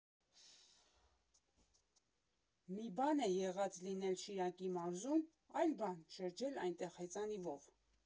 Մի բան է եղած լինել Շիրակի մարզում, այլ բան՝ շրջել այնտեղ հեծանիվով։